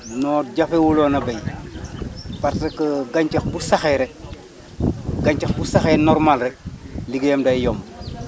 non jafewul woon a bay parce que gàncax bu saxee rek gàncax bu saxee normal rek liggéeyam day yomb